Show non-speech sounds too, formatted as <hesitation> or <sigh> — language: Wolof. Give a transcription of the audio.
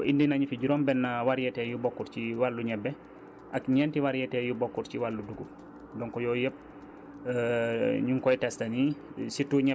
donc indi nañu fi juróom-benni variétés yu bokkul ci wàllu ñebe ak ñenti variétés yu bokkul ci wàllu dugub donc yooyu yépp <hesitation> ñu ngi koy testé nii